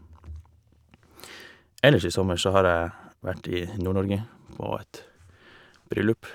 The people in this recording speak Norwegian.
Ellers i sommer så jeg vært i Nord-Norge på et bryllup.